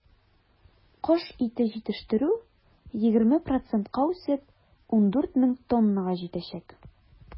Кош ите җитештерү, 20 процентка үсеп, 14 мең тоннага җитәчәк.